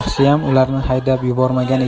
yaxshiyam ularni haydab yubormagan